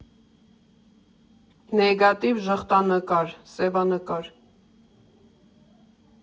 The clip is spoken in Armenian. Նեգատիվ, ժխտանկար, սևանկար։